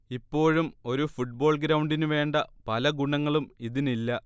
ഇപ്പോഴും ഒരു ഫുട്ബോൾ ഗ്രൗണ്ടിനുവേണ്ട പല ഗുണങ്ങളും ഇതിനില്ല